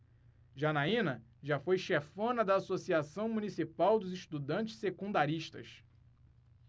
janaina foi chefona da ames associação municipal dos estudantes secundaristas